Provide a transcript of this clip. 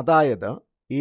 അതായത്